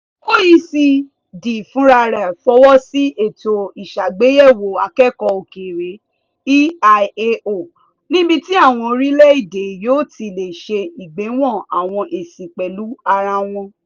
OECD fúnra rẹ̀ fọwọ́ sí Ètò Ìṣàgbéyẹ̀wò Akẹ́kọ̀ọ́ Òkèèrè (EIAO) níbi tí àwọn orílẹ̀-èdè yóò ti lè ṣe ìgbéwọ̀n àwọn èsì pẹ̀lú ara wọn.